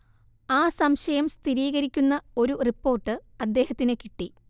ആ സംശയം സ്ഥിരീകരിക്കുന്ന ഒരു റിപ്പോർട്ട് അദ്ദേഹത്തിന് കിട്ടി